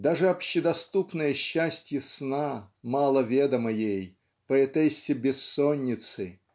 Даже общедоступное счастье сна мало ведомо ей поэтессе бессонницы